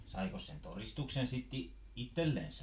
saikos sen todistuksen sitten - itsellensä